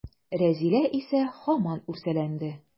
Рәзилә исә һаман үрсәләнде.